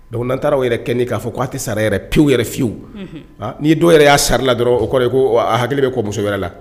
Donc nan taara no yɛrɛ kɛli ka fɔ ko a tɛ sara pewu yɛrɛ fiyewu . Ni ye dɔw yɛrɛ ya sarali la dɔrɔn o kɔrɔ ye ko hakili bɛ kɔ muso wɛrɛ la.